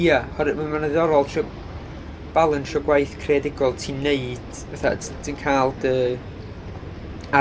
Ia oherwydd ma' ma'n ddiddorol trio balansio gwaith creadigol ti'n neud, fatha t- ti'n cael dy